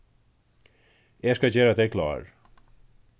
eg skal gera tey klár